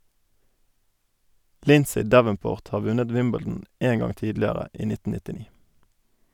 Lindsay Davenport har vunnet Wimbledon en gang tidligere - i 1999.